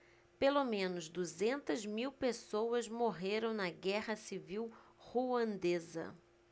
pelo menos duzentas mil pessoas morreram na guerra civil ruandesa